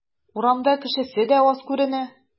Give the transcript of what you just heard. Урамда кешесе дә аз күренә.